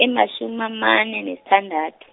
imatjhumi amane nesithandat- .